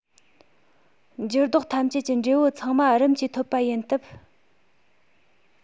འགྱུར ལྡོག ཐམས ཅད ཀྱི འབྲས བུ ཚང མ རིམ གྱིས ཐོབ པ ཡིན སྟབས